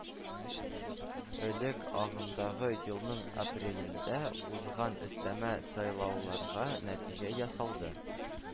Элек агымдагы елның апрелендә узган өстәмә сайлауларга нәтиҗә ясалды